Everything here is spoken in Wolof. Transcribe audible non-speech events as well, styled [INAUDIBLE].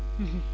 [HESITATION] [HESITATION]